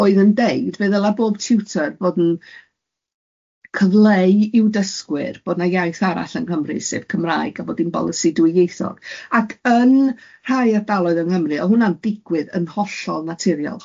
oedd yn deud feddwl a bob tiwtor fod yn, cyfleu i'w dysgwyr bod na iaith arall yng Nghymru sef Cymraeg a bod hi'n bolisi dwyieithog, ac yn rhai ardaloedd yng Nghymru oedd hwnna'n digwydd yn hollol naturiol,